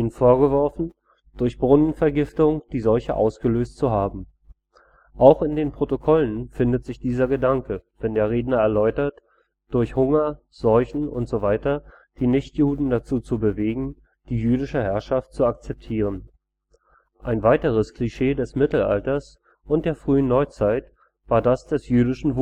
vorgeworfen, durch Brunnenvergiftung die Seuche ausgelöst zu haben. Auch in den Protokollen findet sich dieser Gedanke, wenn der Redner erläutert, durch Hunger, Seuchen usw. die Nichtjuden dazu zu bewegen, die jüdische Herrschaft zu akzeptieren. Ein weiteres Klischee des Mittelalters und der Frühen Neuzeit war das des jüdischen Wucherers